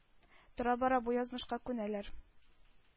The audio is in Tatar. Тора-бара бу язмышка күнәләр.